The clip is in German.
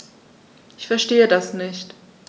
Ich verstehe das nicht.